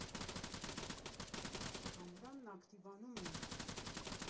Ամռանն ակտիվանում էինք։